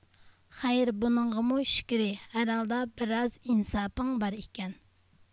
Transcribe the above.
خەير بۇنىڭغىمۇ شۈكرى ھەر ھالدا بىر ئاز ئىنساپىڭ بار ئىكەن